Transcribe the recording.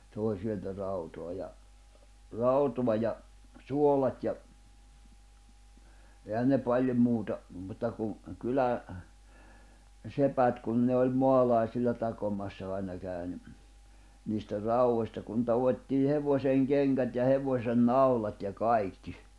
toi sieltä rautaa ja rautaa ja suolat ja eihän ne paljon muuta mutta kun - kyläsepät kun ne oli maalaisilla takomassa aina kävi niin niistä raudoista kun taottiin hevosen kengät ja hevosen naulat ja kaikki